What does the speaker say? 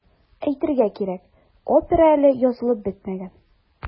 Әйтергә кирәк, опера әле язылып бетмәгән.